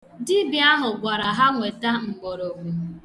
Dibịa ahụ gwara ya weta mgbọrọgwụ.